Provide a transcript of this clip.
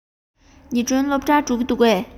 ཉི སྒྲོན སློབ གྲྭར འགྲོ གི འདུག གས